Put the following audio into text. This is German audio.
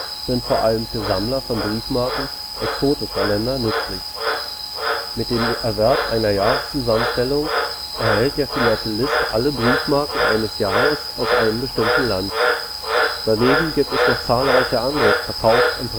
sind vor allem für Sammler von Briefmarken „ exotischer “Länder nützlich. Mit dem Erwerb einer Jahreszusammenstellung erhält der Philatelist alle Briefmarken eines Jahres aus einem bestimmten Land. Daneben gibt es noch zahlreiche andere Verkaufs - und